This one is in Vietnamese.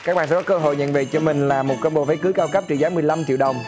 các bạn sẽ có cơ hội nhận về cho mình là một cái bộ váy cưới cao cấp trị giá mười lăm triệu đồng